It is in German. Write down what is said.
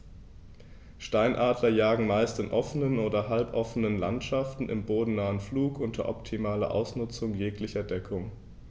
Steinadler jagen meist in offenen oder halboffenen Landschaften im bodennahen Flug unter optimaler Ausnutzung jeglicher Deckung.